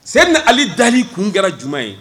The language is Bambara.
Se ni ale dan ni kun kɛra jumɛnuma ye